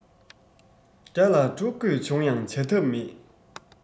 བརྒྱ ལ འཁྲུག དགོས བྱུང ཡང བྱ ཐབས མེད